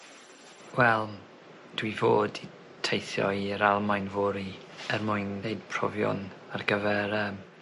Wel, dwi fod teithio i'r Almaen fory er mwyn neud profion ar gyfer yym